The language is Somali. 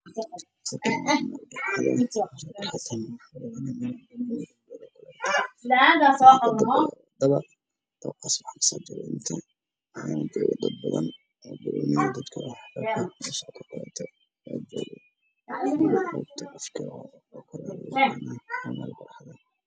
meshaan waa meel banaan ah oo ay ka muuqdaan dad badan waxana ka dambeeyo dabaq dheer